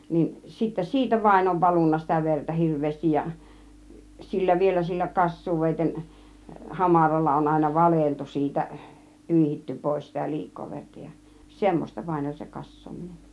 niin sitten siitä vain on valunut sitä verta hirveästi ja sillä vielä sillä kassuuveitsen hamaralla on aina valeltu siitä pyyhitty pois sitä liikaa verta ja semmoista vain oli se kassaaminen